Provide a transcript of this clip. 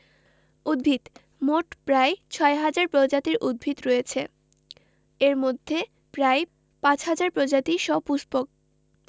উদ্ভিদঃ মোট প্রায় ৬ হাজার প্রজাতির উদ্ভিদ রয়েছে এর মধ্যে প্রায় ৫ হাজার প্রজাতি সপুষ্পক